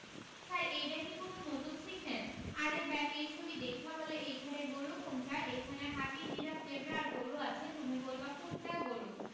ছার এইডা কি কুনো নতুন সিগনেল আরে ব্যাটা এই ছবিডা দেইখা বলো এইখানে গরু কোনডা এইখানে হাতি জিরাফ জেব্রা আর গরু আছে তুমি বলবা কোনডা গরু